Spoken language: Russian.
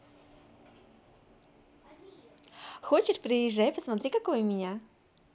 хочешь приезжай посмотри какой у меня